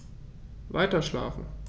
Weiterschlafen.